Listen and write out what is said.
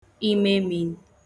imèmimì